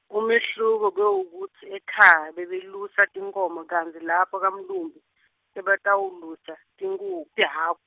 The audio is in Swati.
umehluko bewuwekutsi ekhaya, bebelusa tinkhomo kantsi lapha kamlumbi, sebatawelusa, tinkhu, tihhak-.